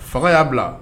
Faga y'a bila